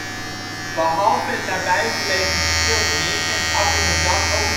Behalve het nabij gelegen Schildmeer kent Appingedam ook het